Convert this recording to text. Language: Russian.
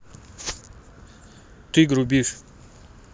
ты грубишь